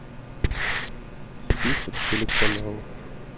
список телеканалов